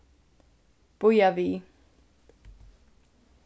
bíða við